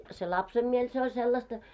se lapsen mieli se oli sellaista